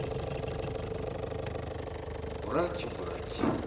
убрать убрать